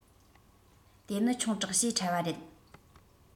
དེ ནི ཆུང དྲགས ཞེ ཁྲེལ བ རེད